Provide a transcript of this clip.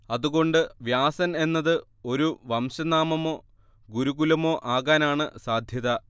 അതുകൊണ്ട് വ്യാസൻ എന്നത് ഒരു വംശനാമമോ ഗുരുകുലമോ ആകാനാണ് സാധ്യത